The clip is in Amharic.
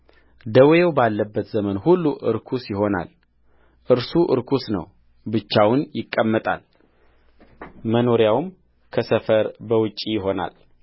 ደዌው ባለበት ዘመን ሁሉ ርኩስ ይሆናል እርሱ ርኩስ ነው ብቻውን ይቀመጣል መኖሪያውም ከሰፈር በውጭ ይሆናል